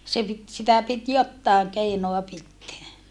se piti sitä piti jotakin keinoa pitää